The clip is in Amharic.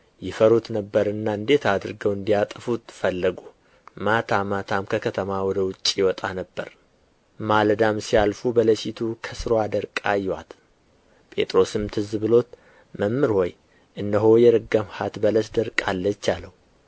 ይፈሩት ነበርና እንዴት አድርገው እንዲያጠፉት ፈለጉ ማታ ማታም ከከተማ ወደ ውጭ ይወጣ ነበር ማለዳም ሲያልፉ በለሲቱን ከሥርዋ ደርቃ አዩአት ጴጥሮስም ትዝ ብሎት መምህር ሆይ እነሆ የረገምሃት በለስ ደርቃለች አለው